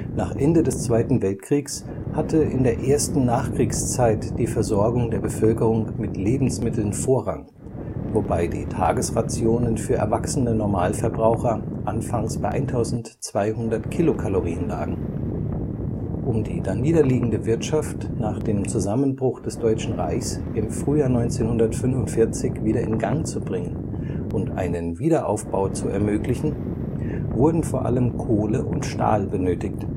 Nach Ende des Zweiten Weltkriegs hatte in der ersten Nachkriegszeit die Versorgung der Bevölkerung mit Lebensmitteln Vorrang, wobei die Tagesrationen für erwachsene Normalverbraucher anfangs bei 1200 Kilokalorien lagen. Um die daniederliegende Wirtschaft nach dem Zusammenbruch des Deutschen Reichs im Frühjahr 1945 wieder in Gang zu bringen und einen Wiederaufbau zu ermöglichen, wurden vor allem Kohle und Stahl benötigt